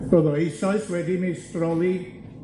Ro'dd o eisoes wedi meistroli